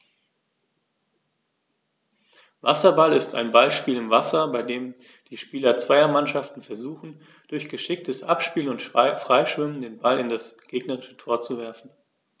Wasserball ist ein Ballspiel im Wasser, bei dem die Spieler zweier Mannschaften versuchen, durch geschicktes Abspielen und Freischwimmen den Ball in das gegnerische Tor zu werfen.